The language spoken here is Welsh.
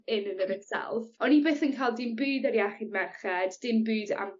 in and of itself o'n i byth yn ca'l dim byd ar iechyd merched dim byd am